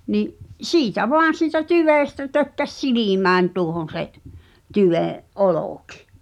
niin siitä vain siitä tyvestä tökkäsi silmään tuohon se tyveen olki